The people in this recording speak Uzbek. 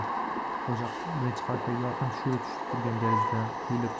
qo'shiq birinchi qavatdagi yorqin shu'la tushib turgan derazadan quyilib chiqib